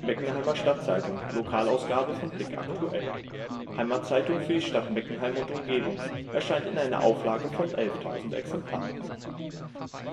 Meckenheimer Stadtzeitung (Lokalausgabe von Blick aktuell) - Heimatzeitung für die Stadt Meckenheim und Umgebung erscheint in einer Auflage von 11.000 Exemplaren